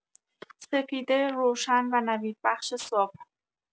سپیده روشن و نویدبخش صبح